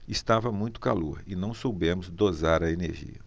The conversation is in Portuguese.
estava muito calor e não soubemos dosar a energia